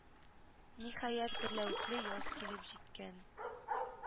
Ниһаять гөрләвекле яз килеп җиткән